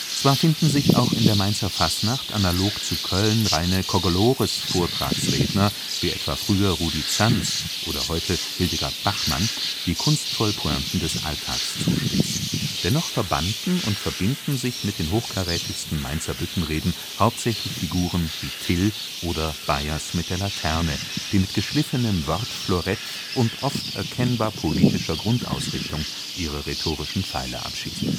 Zwar finden sich auch in der Mainzer Fastnacht (analog zu Köln) reine „ Kokolores “- Vortragsredner (wie etwa früher Rudi Zörns oder heute Hildegard Bachmann, die kunstvoll Pointen des Alltags zuspitzen), dennoch verbanden und verbinden sich mit den hochkarätigsten Mainzer Büttenreden hauptsächlich Figuren wie „ Till “oder „ Bajazz mit der Laterne “, die mit geschliffenem Wort-Florett und oft erkennbar politischer Grundausrichtung ihre rhetorischen Pfeile abschießen